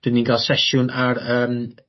'dyn ni'n ga'l sesiwn ar yym